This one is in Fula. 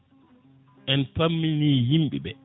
en pammini yimɓeɓe